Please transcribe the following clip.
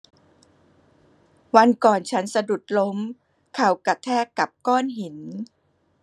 วันก่อนฉันสะดุดล้มเข่ากระแทกกับก้อนหิน